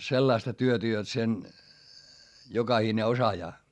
sellaista työtä jotta sen jokainen osaa